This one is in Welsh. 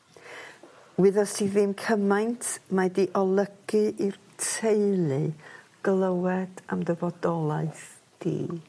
Wyddos ti ddim cymaint mae 'di olygu i'r teulu glywed am ddy fodolaeth di.